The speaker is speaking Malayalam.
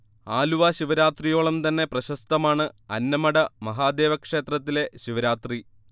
ആലുവ ശിവരാത്രിയോളം തന്നെ പ്രശസ്തമാണ് അന്നമനട മഹാദേവ ക്ഷേത്രത്തിലെ ശിവരാത്രി